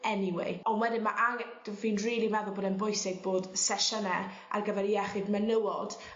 anyway on' wedyn ma' angen fi'n rili meddwl bod e'n bwysig bod sesiyne ar gyfer y iechyd menywod